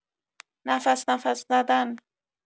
نفس‌نفس زدن